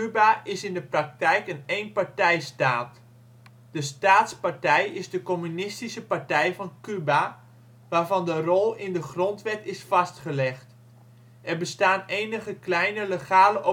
is in de praktijk een eenpartijstaat. De staatspartij is de Communistische Partij van Cuba, waarvan de rol in de grondwet is vastgelegd. Er bestaan enige kleine legale